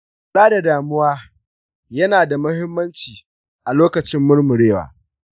kula da damuwa yana da muhimmanci a lokacin murmurewa.